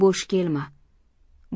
bo'sh kelma